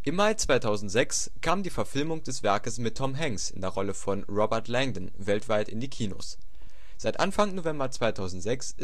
Mai 2006 kam die Verfilmung des Werkes mit Tom Hanks in der Rolle von Robert Langdon weltweit in die Kinos. Seit Anfang November 2006